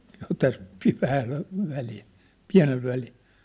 se on tästä sitten vähäisen pieni väli